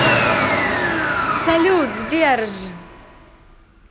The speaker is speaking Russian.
салют сбер ж